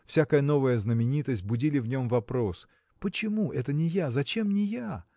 всякая новая знаменитость будили в нем вопрос Почему это не я, зачем не я?